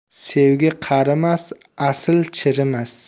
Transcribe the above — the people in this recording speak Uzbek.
sevgi qarimas asl chirimas